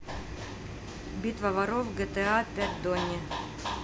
битва воров гта пять донни